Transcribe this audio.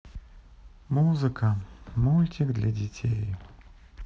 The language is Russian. музыка мультик для детей